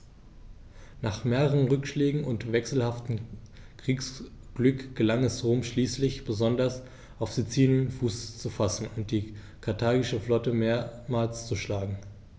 Nach mehreren Rückschlägen und wechselhaftem Kriegsglück gelang es Rom schließlich, besonders auf Sizilien Fuß zu fassen und die karthagische Flotte mehrmals zu schlagen.